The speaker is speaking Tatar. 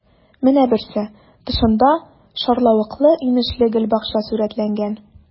Менә берсе: тышында шарлавыклы-инешле гөлбакча сурәтләнгән.